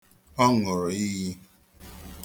Ọ ṅụrụ iyi.